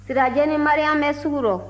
sirajɛ ni maria bɛ sugu rɔ